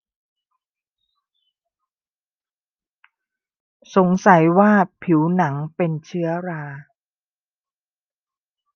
สงสัยว่าผิวหนังเป็นเชื้อรา